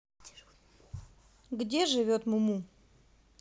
где живет муму